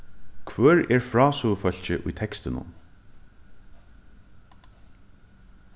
hvør er frásøgufólkið í tekstinum